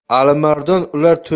alimardon ular to'yga